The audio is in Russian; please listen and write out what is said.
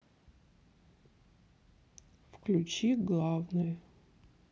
включи главное